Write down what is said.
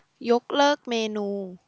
ยกเลิกเมนู